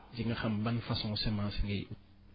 di nga xam ba façon semence ngay